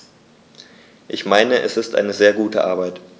Ich meine, es ist eine sehr gute Arbeit.